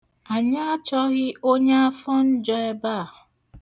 Anyị achọghị onye afọ njọ ebe a.